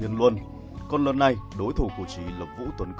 còn lần này đối thủ của trí là vũ tuấn cường